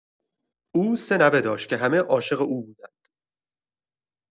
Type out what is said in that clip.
او سه نوه داشت که همه عاشق او بودند.